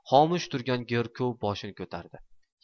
xomush turgan go'rkov boshini ko'tardi